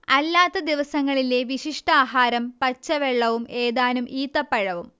അല്ലാത്ത ദിവസങ്ങളിലെ വിശിഷ്ടാഹാരം പച്ചവെള്ളവും ഏതാനും ഈത്തപ്പഴവും